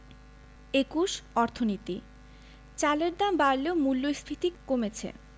২১ অর্থনীতি চালের দাম বাড়লেও মূল্যস্ফীতি কমেছে